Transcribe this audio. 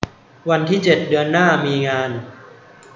วันที่เจ็ดเดือนหน้ามีงาน